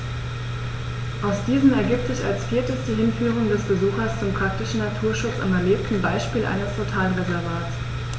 Aus diesen ergibt sich als viertes die Hinführung des Besuchers zum praktischen Naturschutz am erlebten Beispiel eines Totalreservats.